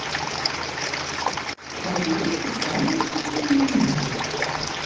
козлы эти самые смешные моменты